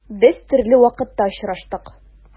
Без төрле вакытта очраштык.